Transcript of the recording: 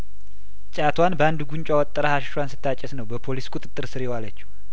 ጫቷን ባንድ ጉንጯ ወጥራ ሀሺሿን ስታጨስ ነው በፖሊስ ቁጥጥር ስር የዋለችው